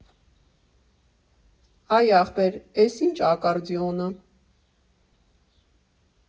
Այ ախպեր, էս ի՞նչ ա, ակարդեոն ա՞